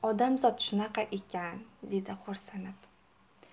odamzod shunaqa ekan dedi xo'rsinib